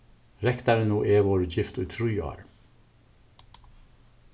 rektarin og eg vóru gift í trý ár